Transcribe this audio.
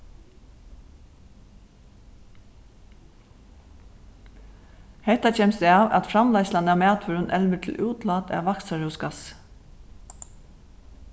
hetta kemst av at framleiðslan av matvørum elvir til útlát av vakstrarhúsgassi